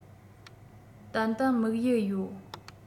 ཏན ཏན དམིགས ཡུལ ཡོད